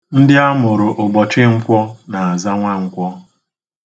Ndị a mụrụ ụbọchị Nkwọ na-aza Nwankwọ